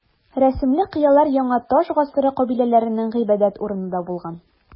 Рәсемле кыялар яңа таш гасыры кабиләләренең гыйбадәт урыны да булган.